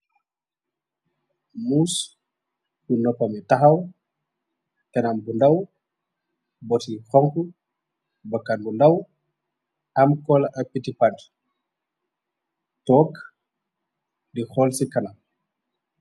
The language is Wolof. Muuss bu nohpami taxaw, kanam bu ndaw, boti khonku, bakkan bu ndaw, am coola ak pitchi pant, tok di hol ci kanam.